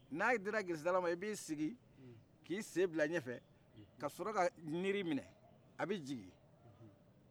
na dila gesedala ma i b'i sigi k'i den bila ɲɛfɛ ka sɔrɔka niri minɛ a bɛ jigi